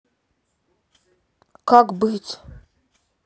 как быть